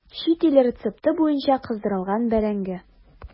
Чит ил рецепты буенча кыздырылган бәрәңге.